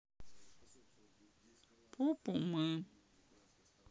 попу мы